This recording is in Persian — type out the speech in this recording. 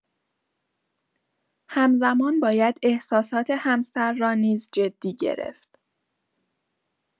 هم‌زمان باید احساسات همسر را نیز جدی گرفت.